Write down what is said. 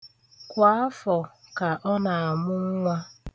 Kwa afọ ka ọ na-amụ nnwa.